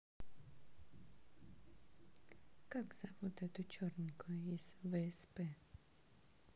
как зовут эту черненькую из всп